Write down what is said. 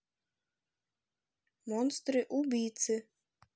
монстры убийцы